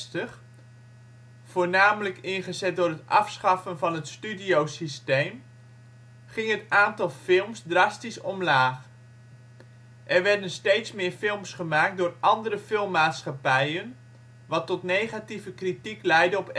voornamelijk ingezet door het afschaffen van het studiosysteem, ging het aantal films drastisch omlaag. Er werden steeds meer films gemaakt door andere filmmaatschappijen, wat tot negatieve kritiek leidde op